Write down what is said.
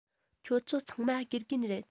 ཁྱོད ཚོ ཚང མ དགེ རྒན རེད